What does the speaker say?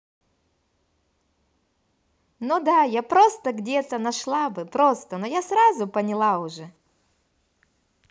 ну да я просто где то нашла бы просто но я сразу поняла уже